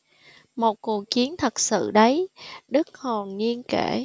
một cuộc chiến thật sự đấy đức hồn nhiên kể